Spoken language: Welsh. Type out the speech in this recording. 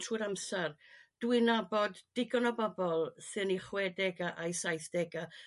trwy'r amsar dwi nabod digon o bobl sy'n 'u chwedega' a'u saithdega'